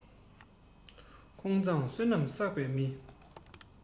ཁོང མཛངས བསོད ནམས བསགས པའི མི